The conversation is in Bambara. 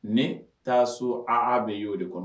Ne taa so a' bɛ y'o de kɔnɔ